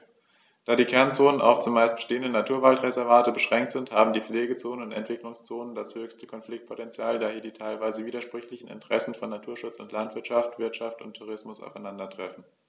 Da die Kernzonen auf – zumeist bestehende – Naturwaldreservate beschränkt sind, haben die Pflegezonen und Entwicklungszonen das höchste Konfliktpotential, da hier die teilweise widersprüchlichen Interessen von Naturschutz und Landwirtschaft, Wirtschaft und Tourismus aufeinandertreffen.